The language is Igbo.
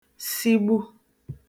sigbu